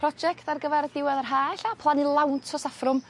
Project ar gyfar y diwedd ar Ha' e'lla plannu lawnt o saffrwm